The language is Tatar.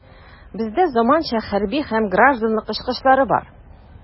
Бездә заманча хәрби һәм гражданлык очкычлары бар.